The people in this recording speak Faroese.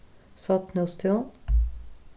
sornhústún